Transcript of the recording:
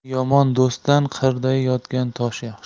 yomon do'stdan qirda yotgan tosh yaxshi